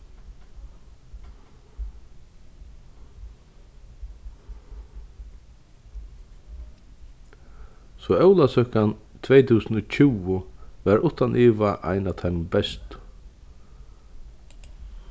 so ólavsøkan tvey túsund og tjúgu var uttan iva ein av teimum bestu